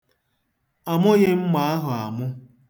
Amụghị mma ahụ amụ.